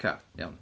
Oce iawn.